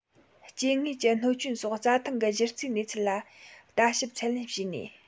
སྐྱེ དངོས ཀྱི གནོད སྐྱོན སོགས རྩྭ ཐང གི གཞི རྩའི གནས ཚུལ ལ ལྟ ཞིབ ཚད ལེན བྱས ནས